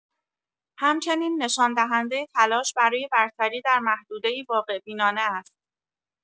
همچنین نشان‌دهنده تلاش برای برتری در محدوده‌ای واقع‌بینانه است.